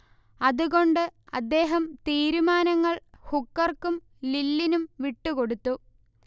അതുകൊണ്ട് അദ്ദേഹം തീരുമാനങ്ങൾ ഹുക്കർക്കും ലില്ലിനും വിട്ടുകൊടുത്തു